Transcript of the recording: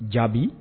Jaabi